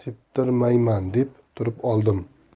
septirmayman deb turib oldim